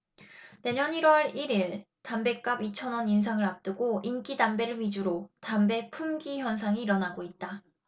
내년 일 월 일 일 담뱃값 이 천원 인상을 앞두고 인기 담배를 위주로 담배 품귀 현상이 일어나고 있다